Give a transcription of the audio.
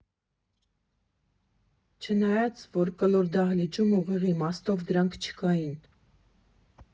Չնայած, որ կլոր դահլիճում ուղիղ իմաստով դրանք չկային։